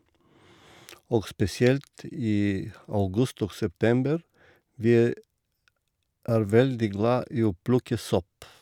Og spesielt i august og september, vi er veldig glad i å plukke sopp.